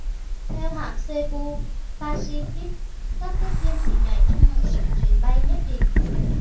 theo hãng cebu pacific các tiếp viên chỉ nhảy trong một số chuyến bay nhất định